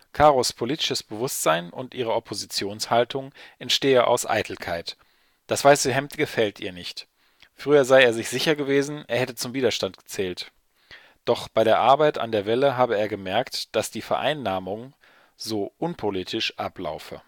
Karos politisches Bewusstsein und ihre Oppositionshaltung entstehe aus Eitelkeit: Das weiße Hemd gefällt ihr nicht. Früher sei er sich sicher gewesen, er hätte zum Widerstand gezählt, doch bei der Arbeit an der Welle habe er gemerkt, dass die Vereinnahmung „ so unpolitisch “ablaufe